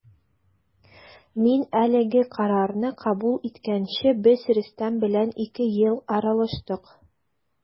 Мин әлеге карарны кабул иткәнче без Рөстәм белән ике ел аралаштык.